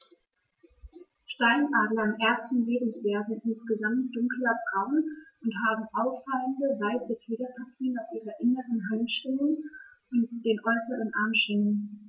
Steinadler im ersten Lebensjahr sind insgesamt dunkler braun und haben auffallende, weiße Federpartien auf den inneren Handschwingen und den äußeren Armschwingen.